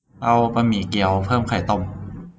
เอาบะหมี่เกี๊ยวเพิ่มไข่ต้ม